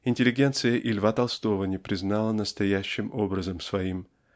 Интеллигенция и Л. Толстого не признала настоящим образом своим